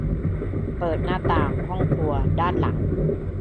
เปิดหน้าต่างห้องครัวด้านหลัง